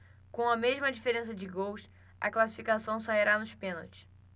com a mesma diferença de gols a classificação sairá nos pênaltis